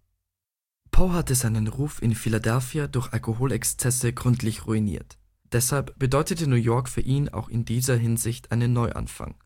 Poe hatte seinen Ruf in Philadelphia durch Alkoholexzesse gründlich ruiniert. Deshalb bedeutete New York für ihn auch in dieser Hinsicht einen Neuanfang